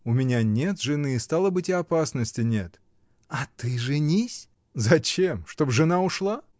— У меня нет жены, стало быть, и опасности нет. — А ты женись!. — Зачем: чтоб жена ушла?